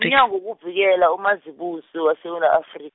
umnyango wezokuvikela uMazibuse, weSewula Afri-.